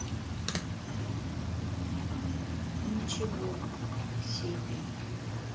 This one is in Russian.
ничего сипи